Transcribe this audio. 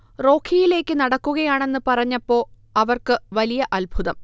റോഘിയിലേക്ക് നടക്കുകയാണെന്ന് പറഞ്ഞപ്പോ അവർക്ക് വലിയ അത്ഭുതം